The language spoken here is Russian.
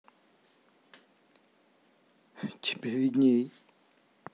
тебе видней